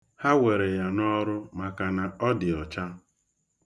Ha were ya n'ọrụ maka na ọ dị ọcha.